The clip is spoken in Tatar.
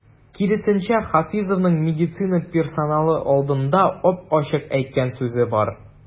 Киресенчә, Хафизовның медицина персоналы алдында ап-ачык әйткән сүзе бар.